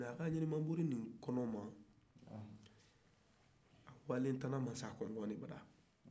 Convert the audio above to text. mɛ a ka taama kɔnɔ a taara tana masakɛ de bara